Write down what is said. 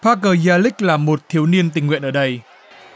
phóc cơ gia líc là một thiếu niên tình nguyện ở đây